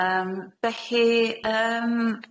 Yym felly yym.